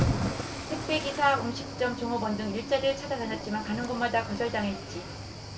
택배 기사 음식점 종업원 등 일자리를 찾아다녔지만 가는 곳마다 거절당했지